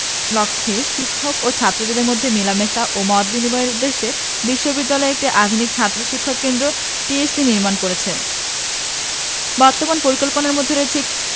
লক্ষ্যে শিক্ষক ও ছাত্রদের মধ্যে মেলামেশা ও মত বিনিময়ের উদ্দেশ্যে বিশ্ববিদ্যালয় একটি আধুনিক ছাত্র শিক্ষক কেন্দ্র টিএসসি নির্মাণ করছে বর্তমান পরিকল্পনার মধ্যে রয়েছে